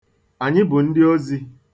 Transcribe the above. Anyị bụ ndịozi.